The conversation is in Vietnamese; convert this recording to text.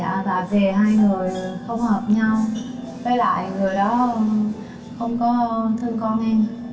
dạ về hai người không hợp nhau lại người đó không có thương con em